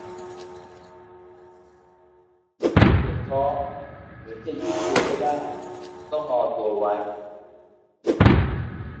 ปวดท้องเหมือนจะยืดตัวไม่ได้ต้องงอตัวไว้